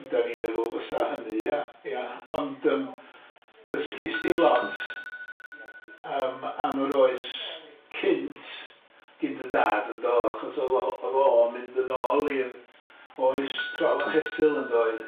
Dan ni'n meddwl fysa hynny ia? Ia ond yym ddysgis 'di lot yym am yr oes cynt gyn dy dad yndo? Achos o'dd o o'dd o'n mynd yn ôl i'r oes trol a cheffyl yn doedd?